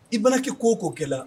I' kɛ k ko k'o kɛ la